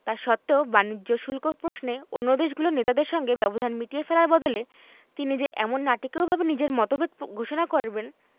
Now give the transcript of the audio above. তা সত্ত্বেও বাণিজ্য শুল্ক প্রশ্নে অন্য দেশগুলোর নেতাদের সঙ্গে ব্যবধান মিটিয়ে ফেলার বদলে তিনি যে এমন নাটকীয়ভাবে নিজের মতভেদ ঘোষণা করবেন